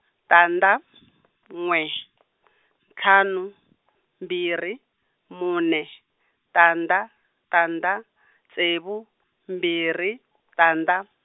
tandza , n'we, ntlhanu mbirhi mune tandza tandza ntsevu mbirhi tandza.